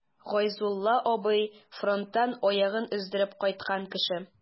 Гайзулла абый— фронттан аягын өздереп кайткан кеше.